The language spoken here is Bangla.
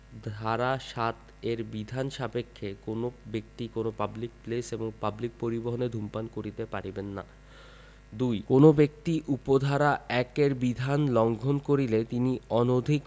ধারা ৭ এর বিধান সাপেক্ষে কোন ব্যক্তি কোন পাবলিক প্লেস এবং পাবলিক পরিবহণে ধূমপান করিতে পারিবেন না ২ কোন ব্যক্তি উপ ধারা ১ এর বিধান লংঘন করিলে তিনি অনধিক